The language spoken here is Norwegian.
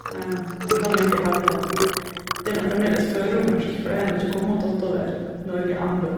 En kan jo egentlig hevde at det er nå fremdeles førromersk, for de har nå ikke kommet og tatt over Norge enda.